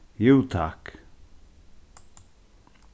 jú takk